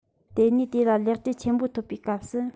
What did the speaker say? དེ ནས དེ ལ ལེགས བཅོས ཆེན པོ ཐོབ པའི སྐབས སུ